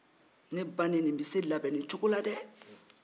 ne ba in nin bɛ se labɛn cogo la dɛ